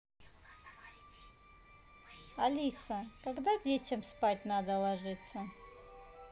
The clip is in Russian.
алиса когда детям спать надо ложиться